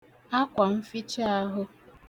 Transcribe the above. akwànficheāhụ̄